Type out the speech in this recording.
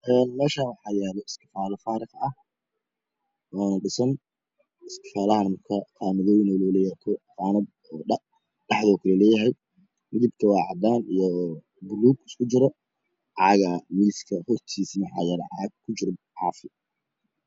Ee meeshaan waxaa yaalo iskafaalo faariq ah oona dhisan iskafaalahaan marka qanadooyin uu leeleeyahay qaanad oo dhe dhexda ku leeleeyahay midabka waa cadaan iyo buluug isku jir o caagaa miiska hortiisana waxaa yaalo caag ku jiro caafi